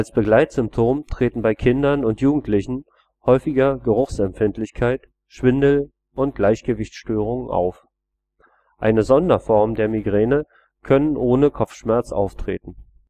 Begleitsymptom treten bei Kindern und Jugendlichen häufiger Geruchsempfindlichkeit, Schwindel und Gleichgewichtsstörungen auf. Einige Sonderformen der Migräne können ohne Kopfschmerz auftreten